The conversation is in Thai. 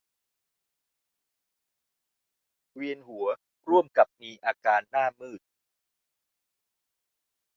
เวียนหัวร่วมกับมีอาการหน้ามืด